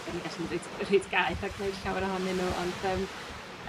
'dan ni gallu mynd reit reit gaeth a gneud llawer ohonyn nw ond yym